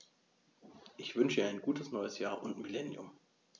Ich wünsche Ihnen ein gutes neues Jahr und Millennium.